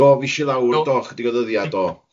Do, fush i lawr, do, ychydig o ddyddiad do do.